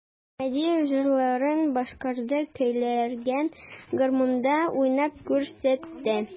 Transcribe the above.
Әхмәдиев җырларын башкарды, көйләрен гармунда уйнап күрсәтте.